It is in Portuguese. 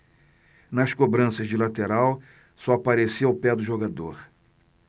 nas cobranças de lateral só aparecia o pé do jogador